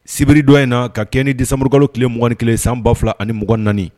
Sibiri dɔ in na ka kɛ ni disamurukalo tile mɔgɔn2 kelen san 2fula ani mugan4